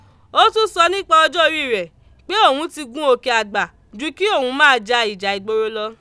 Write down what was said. Ó tún sọ nípa ọjọ́ orí rẹ̀ pé òun ti gun òkè àgbà ju kí òun máa ja ìjà ìgboro lọ.